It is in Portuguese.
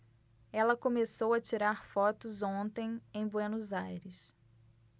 ela começou a tirar fotos ontem em buenos aires